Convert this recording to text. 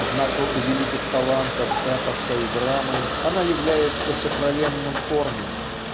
Однако у великих талантов эпоса и драмы она является сокровенным корнем